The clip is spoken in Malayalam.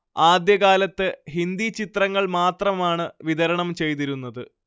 ആദ്യ കാലത്ത് ഹിന്ദി ചിത്രങ്ങൾ മാത്രമാണ് വിതരണം ചെയ്തിരുന്നത്